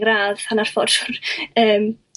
ngradd hannar ffor' trw'r yym